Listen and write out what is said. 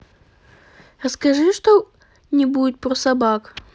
расскажи что нибудь про собак